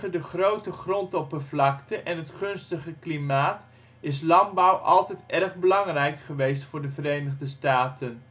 de grote grondoppervlakte en het gunstige klimaat is landbouw altijd erg belangrijk geweest voor de Verenigde Staten